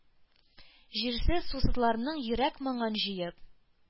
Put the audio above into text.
Җирсез-сусызларның йөрәк моңын җыеп